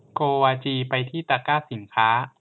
โกวาจีไปที่ตะกร้าสินค้า